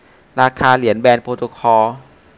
ราคาเหรียญแบรนด์โปรโตคอล